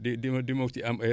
di di ma di ma si am ay